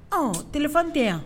Ɔ tfan tɛ yan